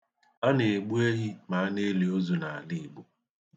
A nɑ-egbu ehi ma a na-eli ozu n'ala Igbo